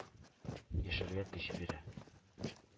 Яшәргә көч бирә.